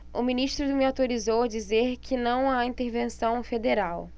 o ministro me autorizou a dizer que não há intervenção federal